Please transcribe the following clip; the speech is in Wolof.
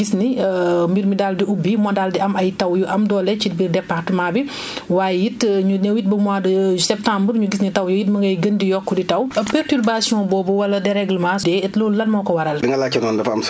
ñu ñëw ba mois d' août gis ni mbir mi daal di ubbi mu daal di am ay taw yu am doole ci biir département bi waaye it ñu ñëwit ba mois de septemebre ñu gis ne taw yi mu ngay gën di yokk di taw perturbatuions boobu wala déreglement day it loolu lan moo ko waral